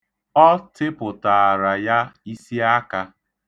Ọ tịpụtaara ya isiaka.